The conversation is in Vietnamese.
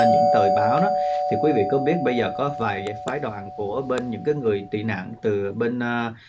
những tờ báo đó thì quý vị có biết bây giờ có vài phái đoàn của bên những cái người tị nạn từ bên a